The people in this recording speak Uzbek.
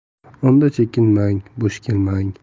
unda chekinmang bo'sh kelmang